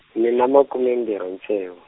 ni na makume mbirhi ntsevu.